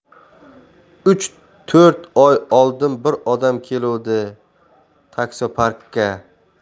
uch to'rt oy oldin bir odam keluvdi taksoparkka